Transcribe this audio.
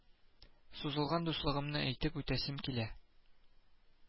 Сузылган дуслыгымны әйтеп үтәсем килә